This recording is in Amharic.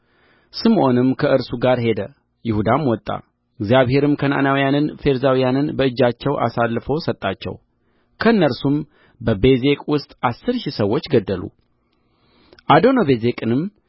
ስምዖንም ከእርሱ ጋር ሄደ ይሁዳም ወጣ እግዚአብሔርም ከነዓናውያንንና ፌርዛውያንን በእጃቸው አሳልፎ ሰጣቸው ከእነርሱም በቤዜቅ ውስጥ አሥር ሺህ ሰዎች ገደሉ አዶኒቤዜቅንም